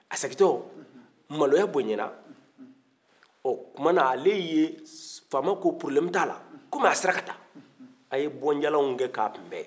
a segin to maloya bonyana faama ko pɔrɔbilɛmu t'a la kɔmi a sera ka taa a ye bonjala kɛ ka kun